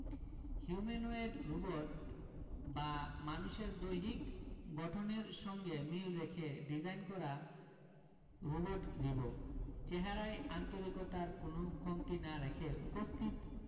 humanoid robot বা মানুষের দৈহিক গঠনের সঙ্গে মিল রেখে ডিজাইন করা রোবট রিবো চেহারায় আন্তরিকতার কোনো কমতি না রেখে উপস্থিত